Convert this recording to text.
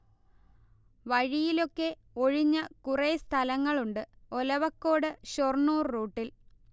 വഴിയിലൊക്കെ ഒഴിഞ്ഞ കുറേ സ്ഥലങ്ങൾ ഉണ്ട്, ഒലവക്കോട്-ഷൊർണൂർ റൂട്ടിൽ